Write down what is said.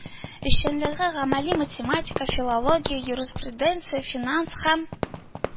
Эшчәнлеге “гамәли математика”, “филология”, “юриспруденция”, “финанс һәм